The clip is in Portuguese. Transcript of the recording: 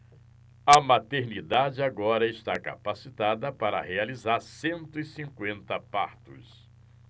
a maternidade agora está capacitada para realizar cento e cinquenta partos